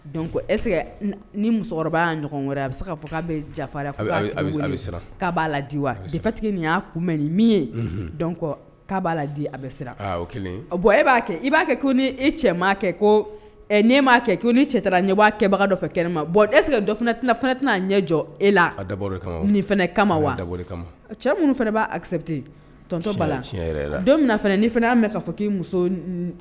A bɛ bɔn e'a'a ko cɛ kɛ koa kɛ ni cɛ ɲɛ b'a kɛbaga fɛ kɛnɛ ne ma bɔn e tɛna'a ɲɛ jɔ e la kama cɛ minnu fana b'a fana y'a fɔ muso